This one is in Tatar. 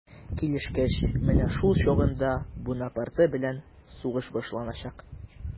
Килешкәч, менә шул чагында Бунапарте белән сугыш башланачак.